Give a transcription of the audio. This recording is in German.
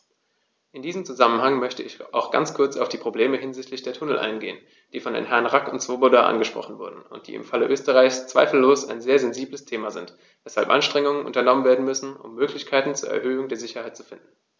In diesem Zusammenhang möchte ich auch ganz kurz auf die Probleme hinsichtlich der Tunnel eingehen, die von den Herren Rack und Swoboda angesprochen wurden und die im Falle Österreichs zweifellos ein sehr sensibles Thema sind, weshalb Anstrengungen unternommen werden müssen, um Möglichkeiten zur Erhöhung der Sicherheit zu finden.